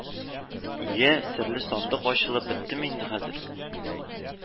Иә, серле сандык ачылып, беттеме инде хәзер